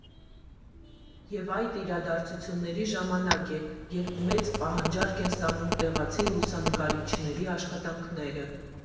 Եվ այդ իրադարձությունների ժամանակ է, երբ մեծ պահանջարկ են ստանում տեղացի լուսանկարիչների աշխատանքները։